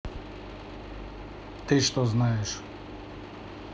ты что знаешь